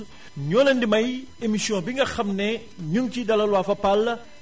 ñoo leen di may émission bi nga xam ne ñu ngu ciy dalal waa Fapal